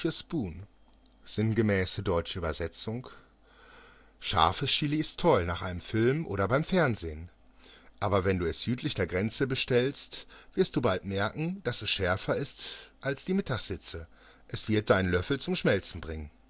spoon “(sinngemäße deutsche Übersetzung: „ Scharfes Chili ist toll nach einem Film oder beim Fernsehen. Aber wenn Du es südlich der Grenze bestellst, wirst du bald merken, dass es schärfer ist als die Mittagshitze, es wird deinen Löffel zum Schmelzen bringen